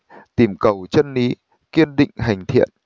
tìm cầu chân lý kiên định hành thiện